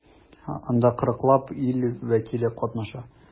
Анда 40 лап ил вәкиле катнаша.